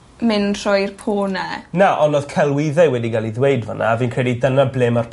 mynd trwy'r pôn 'na. Na on' odd celwydde wedi ga'l 'u ddweud fan 'na a fi'n credu dyna ble ma'r